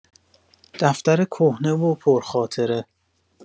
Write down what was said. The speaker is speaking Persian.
دفتر کهنه و پرخاطره